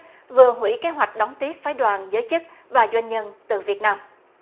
vừa hủy kế hoạch đón tiếp phái đoàn giới chức và doanh nhân từ việt nam